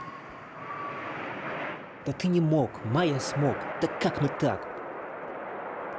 да ты не мог майя смог да как мы так